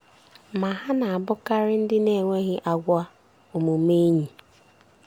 Ma ha na-abụkarị ndị na-enweghị agwa omume enyi.